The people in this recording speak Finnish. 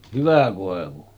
hyvä koivu